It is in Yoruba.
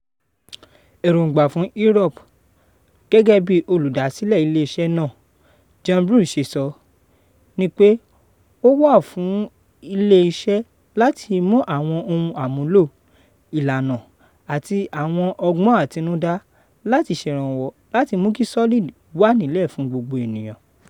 Èròńgbà fún Inrupt, gẹ́gẹ́bí Olùdásílẹ̀ ilé iṣẹ́ náà John Bruce ṣe sọ, ni pé ó wá fún ilé iṣẹ̀ láti mú àwọn ohun àmúlò, ìlànà àti àwọn ọgbọ́n àtinúdá láti ṣèrànwọ́ láti mú kí Solid wà nílẹ̀ fún gbogbo ènìyàn.